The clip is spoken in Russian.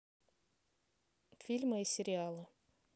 фильмы и сериалы